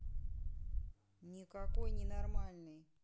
никакой ненормальный